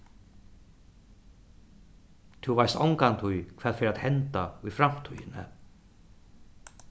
tú veitst ongantíð hvat fer at henda í framtíðini